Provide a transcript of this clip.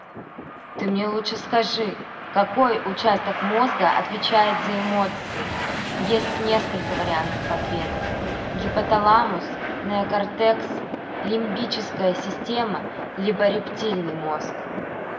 ты мне лучше скажи какой участок мозга отвечает за эмоции есть несколько вариантов ответов гипоталамус неокортекс лимбическая система либо рептильный мозг